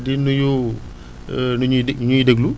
di nuyu ñi ñuy de ñi ñuy déglu